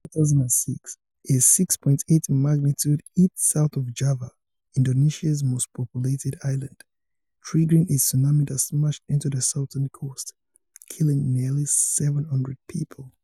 2006: A 6.8 magnitude hit south of Java, Indonesia's most populated island, triggering a tsunami that smashed into the southern coast, killing nearly 700 people.